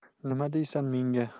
nima deysan menga